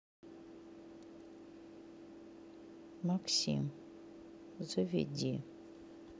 максим заведи